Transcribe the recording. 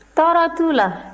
tɔɔrɔ t'u la